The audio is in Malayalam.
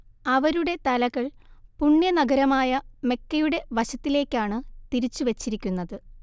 അവരുടെ തലകൾ പുണ്യ നഗരമായ മെക്കയുടെ വശത്തിലേക്കാണ് തിരിച്ചു വച്ചിരിക്കുന്നത്